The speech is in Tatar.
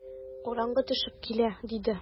Караңгы төшеп килә, - диде.